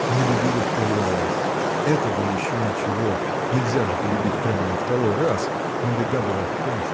Она любила в первый раз – это бы еще ничего – нельзя же полюбить прямо во второй раз но беда была в том